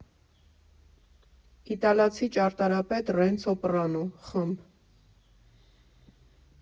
Իտալացի ճարտարապետ Ռենցո Պիանո ֊ խմբ.